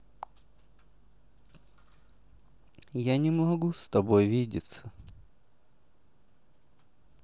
я не могу с тобой видеться